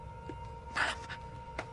Mam!